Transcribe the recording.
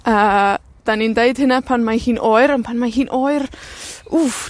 A 'dan ni'n deud hynna pan mae hi'n oer, ond pan mae hi'n oer, wff.